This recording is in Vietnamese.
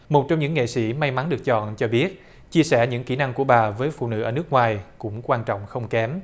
một trong những nghệ sĩ may mắn được chọn cho biết chia sẻ những kỹ năng của bà với phụ nữ ở nước ngoài cũng quan trọng không kém